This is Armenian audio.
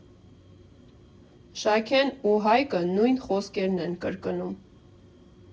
Շաքեն ու Հայկը նույն խոսքերն են կրկնում.